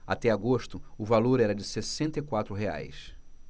até agosto o valor era de sessenta e quatro reais